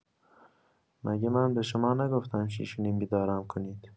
مگه من به شما نگفتم شیش و نیم بیدارم کنید؟